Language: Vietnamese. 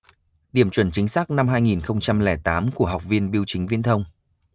điểm chuẩn chính xác năm hai nghìn không trăm lẻ tám của học viên bưu chính viễn thông